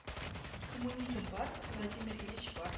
Коммунизм бар владимир ильич бар